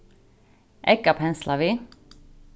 egg at pensla við